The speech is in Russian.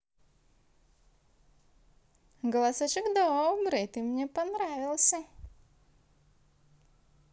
голосочек добрый ты мне понравился